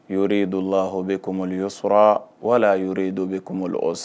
Y dɔw la oobe kuma yɔrɔ sɔrɔ wala yɔrɔ dɔw bɛ kuma o sa